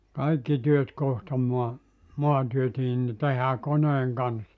kaikki työt kohta maa maatyötkin niin tehdään koneen kanssa